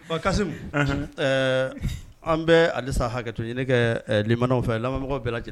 Fa Kasim, anhan, ɛɛ an bɛ hali sa hakɛto kɛ ɲini kɛ ɛɛ limanaw fɛ lamɛnbaga bɛ lajɛ